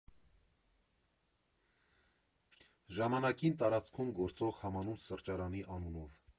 Ժամանակին տարածքում գործող համանուն սրճարանի անունով։